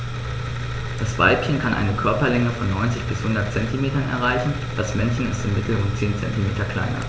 Das Weibchen kann eine Körperlänge von 90-100 cm erreichen; das Männchen ist im Mittel rund 10 cm kleiner.